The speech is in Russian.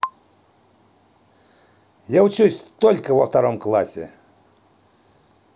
я учусь только во втором классе